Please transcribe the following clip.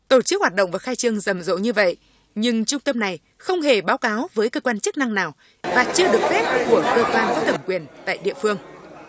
tổ chức hoạt động và khai trương rầm rộ như vậy nhưng trung tâm này không hề báo cáo với cơ quan chức năng nào và chưa được phép của cơ quan có thẩm quyền tại địa phương